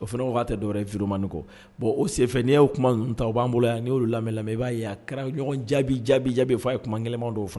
O fana tɛ dɔwɛrɛ juruuru manin kɔ bon o sen n'i y'o kuma ta u b'an bolo yan n' y'olu lamɛlɛla i b'a y' kɛra ɲɔgɔn jaabi jaabi jaabi f fɔ a ye kuma kelen dɔw fɔ